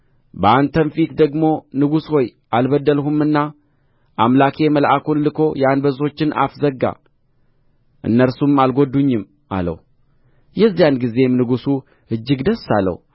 በአንተም ፊት ደግሞ ንጉሥ ሆይ አልበደልሁምና አምላኬ መልአኩን ልኮ የአንበሶችን አፍ ዘጋ እነርሱም አልጐዱኝም አለው የዚያን ጊዜም ንጉሡ እጅግ ደስ አለው